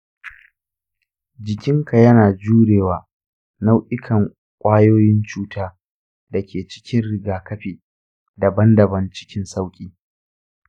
jikinka yana jure wa nau'ikan kwayoyin cuta da ke cikin rigakafi daban-daban cikin sauƙi.